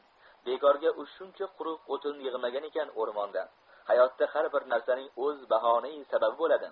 bekorga u shuncha kuruq o'tin yig'magan ekan o'rmonda hayotda har bir narsaning o'z bahonai sababi bo'ladi